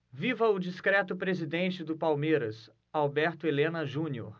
viva o discreto presidente do palmeiras alberto helena junior